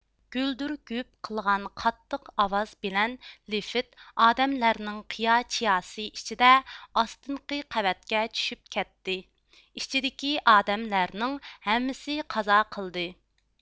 گۈلدۈر گۈپ قىلغان قاتتىق ئاۋاز بىلەن لېفىت ئادەملەرنىڭ قىيا چىياسى ئىچىدە ئاستىنقى قەۋەتكە چۈشۈپ كەتتى ئىچىدىكى ئادەملەرنىڭ ھەممىسى قازا قىلدى